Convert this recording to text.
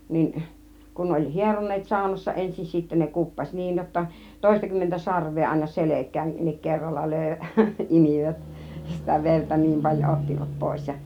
niin kun ne oli hieroneet saunassa ensin sitten ne kuppasi niin jotta - toistakymmentä sarvea aina selkäänkin kerralla löi imivät sitä verta niin paljon ottivat pois ja